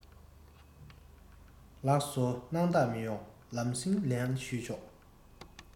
ལགས སོ སྣང དག མི ཡོང ལམ སེང ལན ཞུས ཆོག